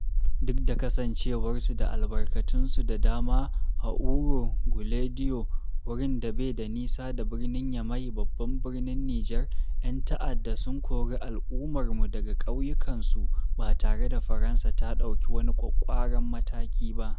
Duk da kasancewarsu da albarkatunsu da dama, a Ouro Guéladio, wurin da bai da nisa da birnin Yamai, babban birnin Nijar, 'yan ta'adda sun kori al’ummarmu daga ƙauyukansu, ba tare da Faransa ta ɗauki wani ƙwaƙƙwaran mataki ba.